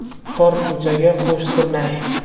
tor ko'chaga qo'sh surnay